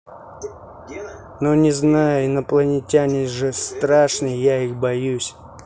ну не знаю инопланетяне же страшные я их боюсь